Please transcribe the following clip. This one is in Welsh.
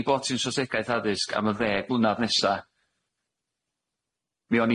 'i bod hi'n strategaeth addysg am y ddeg mlynadd nesa mi o'n